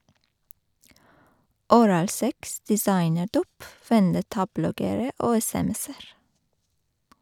Oralsex, designerdop , vendettabloggere og sms-er.